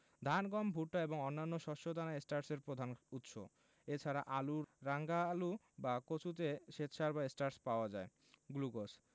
ধান গম ভুট্টা এবং অন্যান্য শস্য দানা স্টার্চের প্রধান উৎস এছাড়া আলু রাঙা আলু বা কচুতেও শ্বেতসার বা স্টার্চ পাওয়া যায় গ্লুকোজ